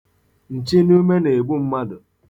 Nchịnume na-egbu mmadụ.